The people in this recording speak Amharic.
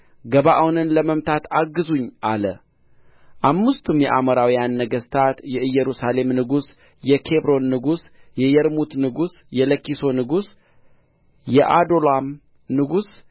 ገባዖንን ለመምታት አግዙኝ አለ አምስቱም የአሞራውያን ነገሥታት የኢየሩሳሌም ንጉሥ የኬብሮን ንጉሥ የየርሙት ንጉሥ የለኪሶ ንጉሥ የአዶላም ንጉሥ